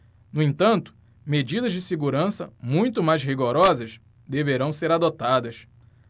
no entanto medidas de segurança muito mais rigorosas deverão ser adotadas